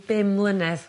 bum mlynedd